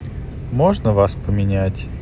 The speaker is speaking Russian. можно вас поменять